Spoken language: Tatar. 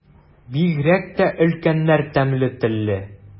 Бигрәк тә өлкәннәр тәмле телле.